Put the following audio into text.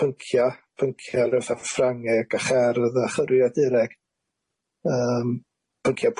pyncia pyncia fatha Ffrangeg a Cherdd a Chyriadureg yym pyncia